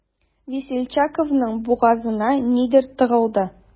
Весельчаковның бугазына нидер тыгылды.